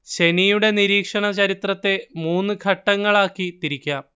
ശനിയുടെ നിരീക്ഷണ ചരിത്രത്തെ മൂന്ന് ഘട്ടങ്ങളാക്കി തിരിക്കാം